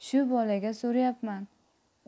shu bolaga so'rayapman